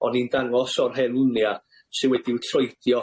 O'n i'n dangos o'r hen lunia sy' wedi'w troedio,